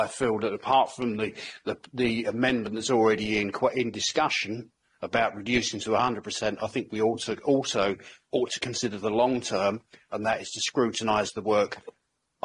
But I feel that apart from the the the amendment that's already in co- in discussion about reducing to a hundred percent I think we ought to also ought to consider the long term and that is to scrutinise the work.